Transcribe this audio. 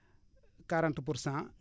quarante pour cent